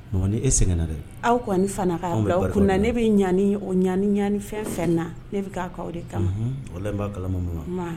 Maman ni e segɛnna dɛ aw kɔni fana k'a bila u kunna anw bɛ barika o de la ne bɛ ɲani o ɲani ɲani fɛn fɛn na ne bɛ k'a k'aw de kama unhun walahi n b'a kalama maman ma